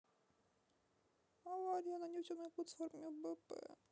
авария на нефтяной платформе bp